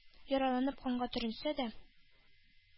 Яраланып канга төренсә дә,